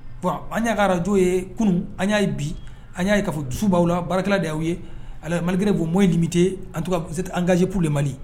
Bon an ka radio ye kunun, an y'a bi, an y'a ye ka fɔ dusu baw la , baarakɛla de y' a ye. Alors malgré vos moyens limités , en tout cas vous êtes engagés pour le Mali